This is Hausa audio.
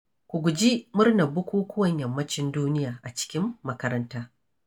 3.Ku guji murnar bukukuwan Yammacin duniya a cikin makaranta.